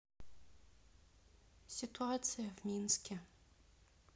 ситуация в минске